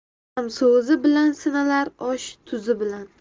odam so'zi bilan sinalar osh tuzi bilan